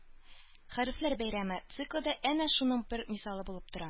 «хәрефләр бәйрәме» циклы да әнә шуның бер мисалы булып тора